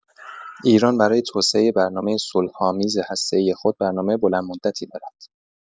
ایران برای توسعه برنامه صلح‌آمیز هسته‌ای خود برنامه بلند مدتی دارد.